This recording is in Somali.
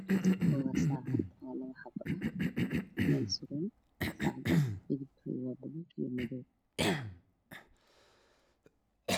Waa saacad oo labo xabo meel suran saacada midabkeedu waa buluug iyo madow